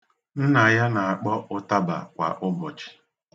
Nna ya na-akpọ ụtaba kwa ụbọchị.